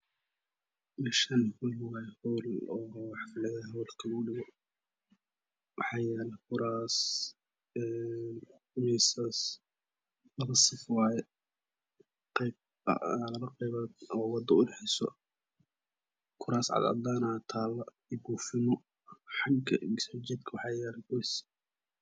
Meeshaan howl waaye. howl oo xafladaha howlka lagu dhigo waxaa yaala kuraas miiisas labo saf waaye qayb labo qaybood oo wado u dhexeeso kuraas cad cadaan taalo iyo buufino xagga soo jeedka waxaa yaalo goos